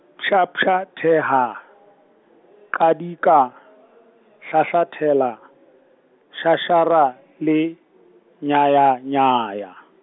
Pjhapjhatheha, qadika, hlahlathela, shashara le, nyayanyaya.